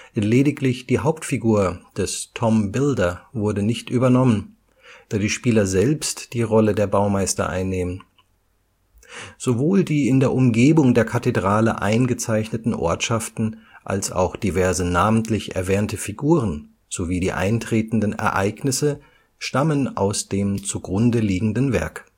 Lediglich die Hauptfigur des Tom Builder wurde nicht übernommen, da die Spieler selbst die Rolle der Baumeister einnehmen. Sowohl die in der Umgebung der Kathedrale eingezeichneten Ortschaften als auch diverse namentlich erwähnte Figuren sowie die eintretenden Ereignisse stammen aus dem zugrundeliegenden Werk